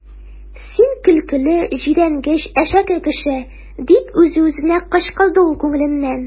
Син көлкеле, җирәнгеч, әшәке кеше! - дип үз-үзенә кычкырды ул күңеленнән.